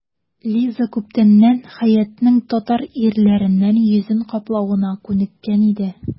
Лиза күптәннән Хәятның татар ирләреннән йөзен каплавына күнеккән иде.